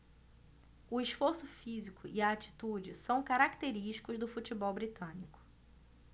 o esforço físico e a atitude são característicos do futebol britânico